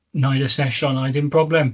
neud y sesiynau, dim problem.